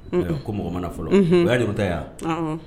Ko mɔgɔ mana fɔlɔ o y'a deta yan